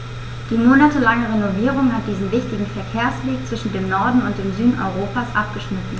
Die monatelange Renovierung hat diesen wichtigen Verkehrsweg zwischen dem Norden und dem Süden Europas abgeschnitten.